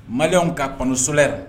Malien ka panneau solaire